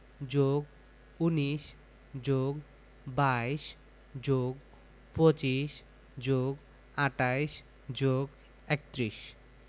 +১৯+২২+২৫+২৮+৩১